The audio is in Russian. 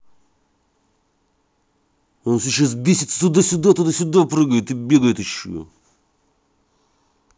он сейчас бесится туда сюда туда сюда прыгает и бегает еще